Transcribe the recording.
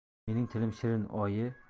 mening tilim shirin oyi